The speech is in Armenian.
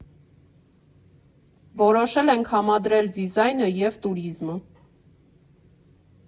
Որոշել ենք համադրել դիզայնը և տուրիզմը։